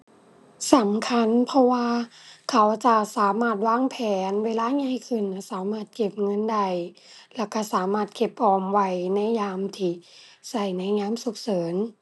สำคัญ เพราะว่าเขาจะสามารถวางแผนเวลาใหญ่ขึ้น แล้วสามารถเก็บเงินได้ แล้วก็สามารถเก็บออมไว้ในยามที่ก็ในยามฉุกเฉิน